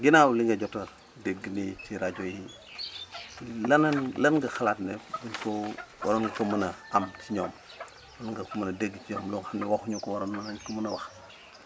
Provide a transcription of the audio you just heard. ginnaaw li nga jot a dégg nii ci rajo yi lan lan nga xalaat ne foo ko waroon nga ko mën a am si ñoom war nga ko mën a dégg si énoom loo xam ne waxuñu ko waroon nañu ko m£ën a wax